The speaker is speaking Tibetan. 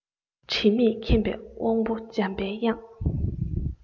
དྲི མེད མཁྱེན པའི དབང བོ འཇམ པའི དབྱངས